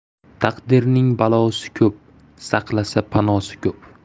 taqdirning balosi ko'p saqlasa panosi ko'p